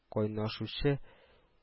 Кайнашучы